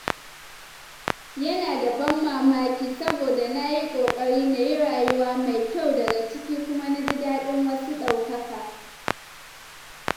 Yana da ban mamaki saboda na yi kokari, na yi rayuwa mai kyau daga ciki, kuma na ji dadin wasu daukaka.